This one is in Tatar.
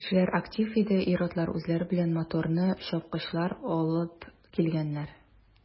Кешеләр актив иде, ир-атлар үзләре белән моторлы чапкычлар алыпн килгәннәр.